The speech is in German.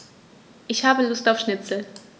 Ich habe Lust auf Schnitzel.